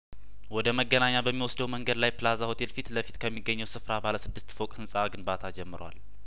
ወደ መገናኛ በሚወስደው መንገድ ላይ ፕላዛ ሆቴል ፊት ለፊት ከሚገኘው ስፍራ ባለስድስት ፎቅ ህንጻ ግንባታ ጀምሯል